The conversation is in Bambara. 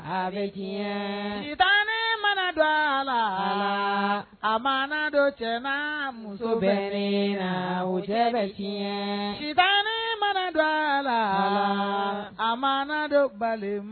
Aa bɛ tiɲɛ sitanɛ mana do alaa an a mana don cɛ n'aa muso bɛnnee na u cɛ bɛ tiɲɛɛ sitanɛ mana don a laa alaa a mana don balima